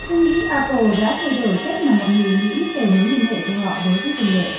tôi nghĩ áp pồ đã thay đổi cách mà mọi người nghĩ về mối liên hệ của họ đối với công nghệ